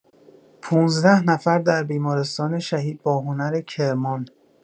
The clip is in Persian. ۱۵ نفر در بیمارستان شهید باهنر کرمان